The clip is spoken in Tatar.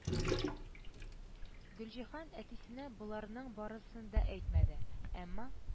Гөлҗиһан әтисенә боларның барысын да әйтмәде, әмма